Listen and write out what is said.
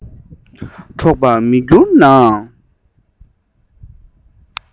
འཕྲོག པར མི འགྱུར ནའང